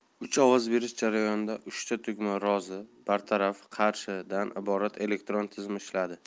uz ovoz berish jarayonida uchta tugma rozi betaraf qarshi dan iborat elektron tizim ishladi